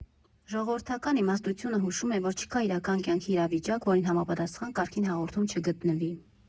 Ժողովրդական իմաստությունը հուշում է, որ չկա իրական կյանքի իրավիճակ, որին համապատասխան Կարգին հաղորդում չգտնվի.